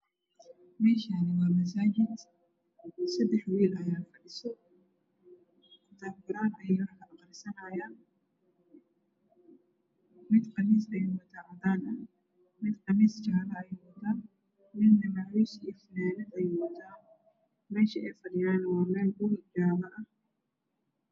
Meeshaan waa masaajid seddex wiil ayaa fadhiso quraan ayay aqrisanahayaan. Mid qamiis cadaan ah ayuu wataa mid qamiis jaalo ah ayuu wataa midna macawis iyo fanaanad ayuu wataa meesha waa meel dhul ah.